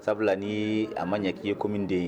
Sabula ni a ma ɲɛ k'i ye ko min den ye